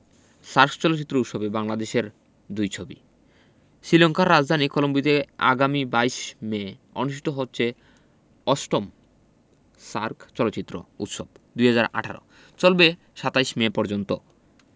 সাস চলচ্চিত্র উৎসবে বাংলাদেশের দুই ছবি শীলংকার রাজধানী কলম্বোতে আগামী ২২ মে অনুষ্ঠিত হচ্ছে ৮ম সার্ক চলচ্চিত্র উৎসব ২০১৮ চলবে ২৭ মে পর্যন্ত